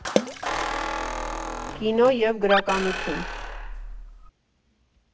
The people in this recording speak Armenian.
Կինո և գրականություն։